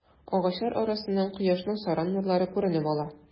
Агачлар арасыннан кояшның саран нурлары күренеп ала.